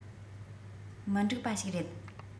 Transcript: མི འགྲིག པ ཞིག རེད